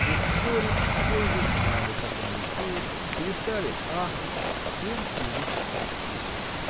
Но вскоре все уже знали, как он рисует, перестали ахать, и он привык к успеху.